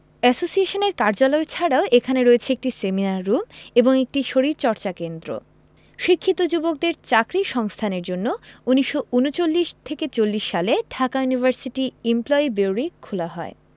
এসোসিয়েশনের কার্যালয় ছাড়াও এখানে রয়েছে একটি সেমিনার রুম ও একটি শরীরচর্চা কেন্দ্র শিক্ষিত যুবকদের চাকরির সংস্থানের জন্য ১৯৩৯ থেকে ৪০ সালে ঢাকা ইউনিভার্সিটি ইমপ্লয়ি বিউরো খোলা হয়